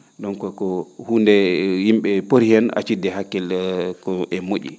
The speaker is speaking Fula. donc que ko hunnde yim?e pori heen accidde hakkille ko e mo??i